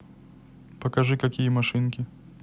покажи какие машинки